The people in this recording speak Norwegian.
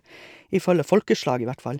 Ifølge folkeslag i hvert fall.